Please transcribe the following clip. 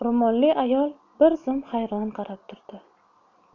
ro'molli ayol bir zum hayron qarab turdi